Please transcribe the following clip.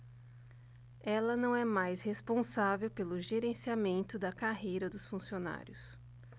ela não é mais responsável pelo gerenciamento da carreira dos funcionários